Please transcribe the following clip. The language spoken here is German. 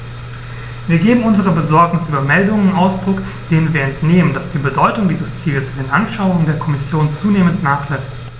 Wir geben unserer Besorgnis über Meldungen Ausdruck, denen wir entnehmen, dass die Bedeutung dieses Ziels in den Anschauungen der Kommission zunehmend nachlässt.